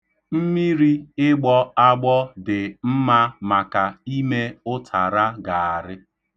Mmiri ịgbọ agbọ dị mma maka ime ụtara garị.